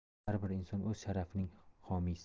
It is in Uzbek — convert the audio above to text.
har bir inson o'z sharafining homiysi